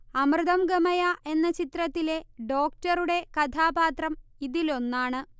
അമൃതം ഗമയ എന്ന ചിത്രത്തിലെ ഡോക്ടറുടെ കഥാപാത്രം ഇതിലൊന്നാണ്